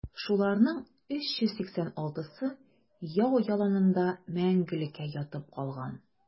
Шуларның 386-сы яу яланында мәңгелеккә ятып калган.